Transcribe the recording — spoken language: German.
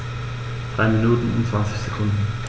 3 Minuten und 20 Sekunden